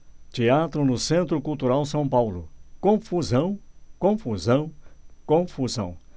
teatro no centro cultural são paulo confusão confusão confusão